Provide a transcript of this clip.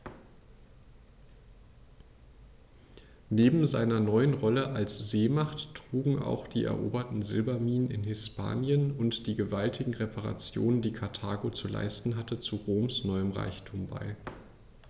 Neben seiner neuen Rolle als Seemacht trugen auch die eroberten Silberminen in Hispanien und die gewaltigen Reparationen, die Karthago zu leisten hatte, zu Roms neuem Reichtum bei.